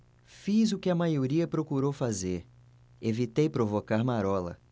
fiz o que a maioria procurou fazer evitei provocar marola